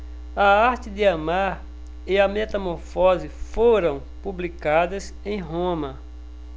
a arte de amar e a metamorfose foram publicadas em roma